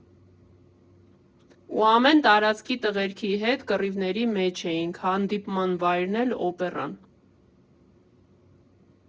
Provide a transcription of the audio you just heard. Ու ամեն տարածքի տղերքի հետ կռիվների մեջ էինք՝ հանդիպման վայրն էլ՝ Օպերան։